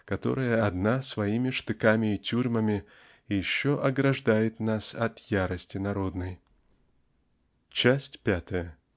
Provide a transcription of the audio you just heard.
которая одна своими штыками и тюрьмами еще ограждает нас от ярости народной . Часть пятая.